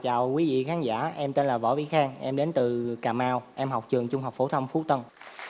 chào quý vị khán giả em tên là võ vĩ khang em đến từ cà mau em học trường trung học phổ thông phú tân